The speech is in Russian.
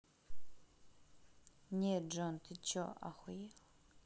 нет джой ты че охуел